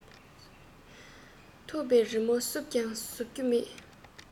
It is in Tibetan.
ཐོད པའི རི མོ བསུབས ཀྱང ཟུབ རྒྱུ མེད